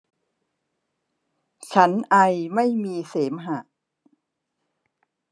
ฉันไอไม่มีเสมหะ